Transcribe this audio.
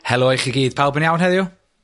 Helo i chi gyd pawb yn iawn heddiw?